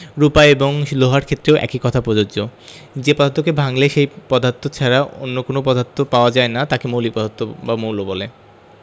রুপা এবং লোহার ক্ষেত্রেও একই কথা প্রযোজ্য যে পদার্থকে ভাঙলে সেই পদার্থ ছাড়া অন্য কোনো পদার্থ পাওয়া যায় না তাকে মৌলিক পদার্থ বা মৌল বলে